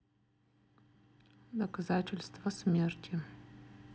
доказательство смерти